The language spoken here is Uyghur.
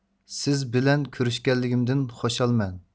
سىز بىلەن كۆرۈشكەنلىكىمدىن خۇشالمەن